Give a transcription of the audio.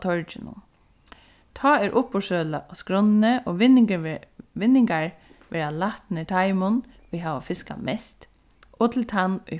torginum tá er á skránni og vinningur vinningar verða latnir teimum ið hava fiskað mest og til tann ið